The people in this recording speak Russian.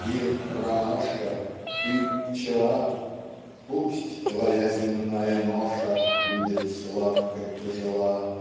Мир - ромашка, ты - пчела, Пусть твоя земная ноша Будет сладко тяжела.